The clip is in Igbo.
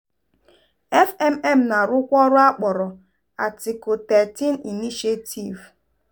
FMM na-arụkwa ọrụ akpọrọ "Article13 Initiative"?